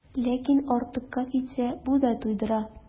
Ләкин артыкка китсә, бу да туйдыра.